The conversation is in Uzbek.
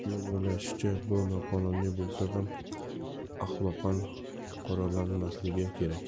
uning o'ylashicha bu noqonuniy bo'lsa ham axloqan qoralanmasligi kerak